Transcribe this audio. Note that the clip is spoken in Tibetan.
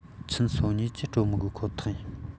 ཁྱིམ ༣༢ སྤྲོད མི དགོས ཁོ ཐག ཡིན